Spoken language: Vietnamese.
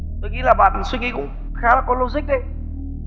tôi nghĩ là bạn suy nghĩ cũng khá là có lô rích đấy